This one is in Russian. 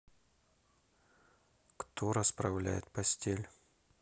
кто расправляет постель